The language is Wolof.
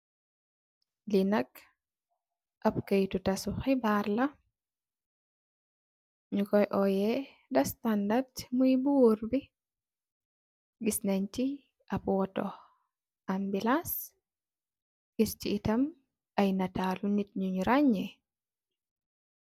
Lii nak, ab kayiti tasum xibaar la, ñu kooy oye,"The Standard", muy bu woor bi. Gis nay ci, ab foto ambilans, gis ci itam ay, nataalu nit ñunge raañe.